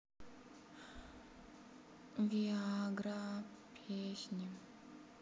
виа гра песни